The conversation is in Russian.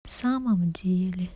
самом деле